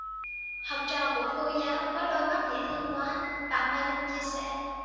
học trò của cô giáo có đôi mắt dễ thương quá bạn mai linh chia sẻ